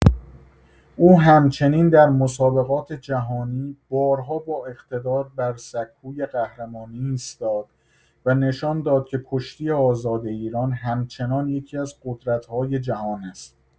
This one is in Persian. او همچنین در مسابقات جهانی بارها با اقتدار بر سکوی قهرمانی ایستاد و نشان داد که کشتی آزاد ایران همچنان یکی‌از قدرت‌های جهان است.